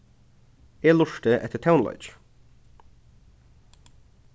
eg lurti eftir tónleiki